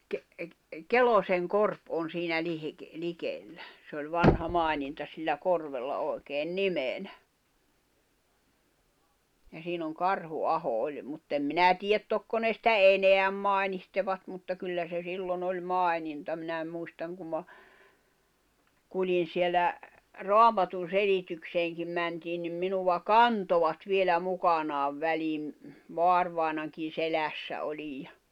- Kelosenkorpi on siinä - likellä se oli vanha maininta sillä korvella oikein nimenä ja siinä on Karhuaho oli mutta en minä tiedä tokko ne sitä enää mainitsevat mutta kyllä se silloin oli maininta minä muistan kun minä kuljin siellä raamatunselitykseenkin mentiin niin minua kantoivat vielä mukanaan väliin vaarivainajankin selässä olin ja